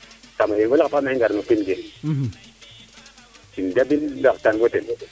im dabin waxtaan fo ten